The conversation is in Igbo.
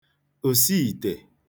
òsiìtè